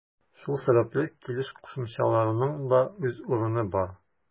Шул сәбәпле килеш кушымчаларының да үз урыны бар.